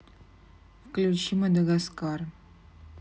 включи мадагаскар